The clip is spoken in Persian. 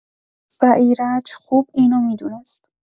و ایرج خوب اینو می‌دونست.